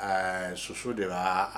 Ɛɛ soso de b'a